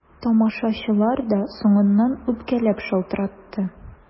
Тамашачылар да соңыннан үпкәләп шалтыратты.